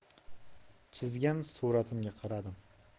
chizgan suratimga qarardim